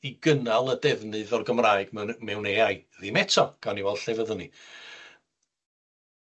i gynnal y defnydd o'r Gymraeg mewn yy mewn Ay I, ddim eto, gawn ni weld lle fyddwn ni.